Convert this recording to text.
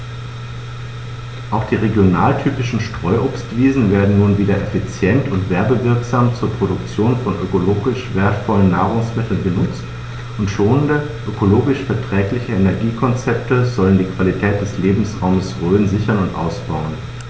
Auch die regionaltypischen Streuobstwiesen werden nun wieder effizient und werbewirksam zur Produktion von ökologisch wertvollen Nahrungsmitteln genutzt, und schonende, ökologisch verträgliche Energiekonzepte sollen die Qualität des Lebensraumes Rhön sichern und ausbauen.